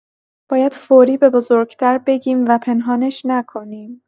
باید فوری به بزرگ‌تر بگیم و پنهانش نکنیم.